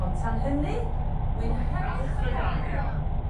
Ond tan hynny mwynhewch y garddio.